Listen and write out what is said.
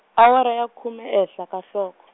awara ya khume ehenhla ka nhloko.